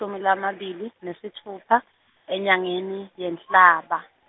shumi lamabili, nesitfupha, enyangeni, yeNhlaba.